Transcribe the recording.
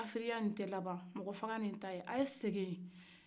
ne y'o fɔ kafriya tɛ laban mɔgɔ faga tɛ laban